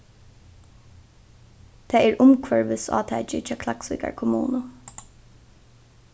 tað er umhvørvisátakið hjá klaksvíkar kommunu